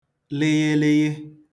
lịghịlịghị